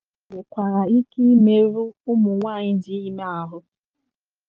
Nitrate nwekwara ike ịmerụ ụmụ nwaanyị dị ime ahụ.